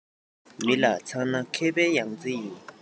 མི ལ ཚང ན མཁས པའི ཡང རྩེ ཡིན